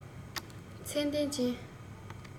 ཚད ལྡན ཅན